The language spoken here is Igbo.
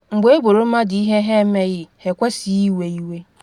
Mgbe eboro mmadụ ihe ha emeghị, ha ekwesịghị iwe iwe.